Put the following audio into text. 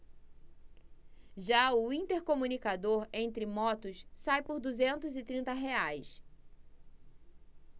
já o intercomunicador entre motos sai por duzentos e trinta reais